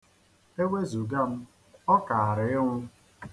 Ewezuga m ọ kaara ịnwụ.